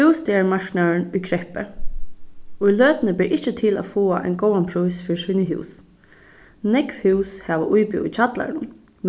bústaðarmarknaðurin í kreppu í løtuni ber ikki til at fáa ein góðan prís fyri síni hús nógv hús hava íbúð í kjallaranum